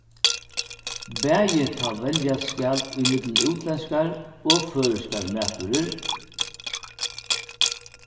bæði tá veljast skal ímillum útlendskar og føroyskar matvørur